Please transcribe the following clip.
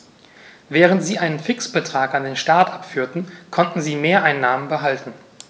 Während sie einen Fixbetrag an den Staat abführten, konnten sie Mehreinnahmen behalten.